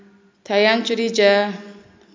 tayanch reja